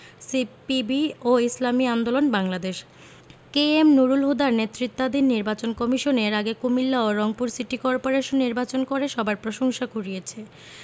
CPB ও Islami Andolan Bangladesh K M Nurul হুদার নেতৃত্বাধীন নির্বাচন কমিশন এর আগে কুমিল্লা ও রংপুর সিটি করপোরেশন নির্বাচন করে সবার প্রশংসা কুড়িয়েছে